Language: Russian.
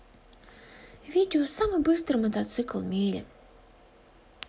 видео самый быстрый мотоцикл в мире